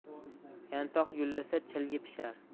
yantoq gullasa chilgi pishar